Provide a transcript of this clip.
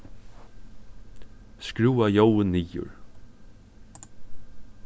skrúva ljóðið niður